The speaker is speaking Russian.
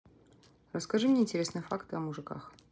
расскажи мне интересные факты о мужиках